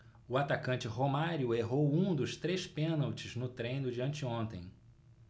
o atacante romário errou um dos três pênaltis no treino de anteontem